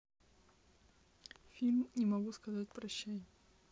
фильм не могу сказать прощай